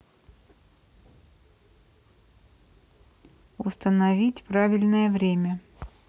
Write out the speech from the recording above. установить правильное время